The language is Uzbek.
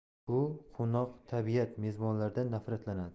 bu quvnoqtabiat mezbonlardan nafratlandi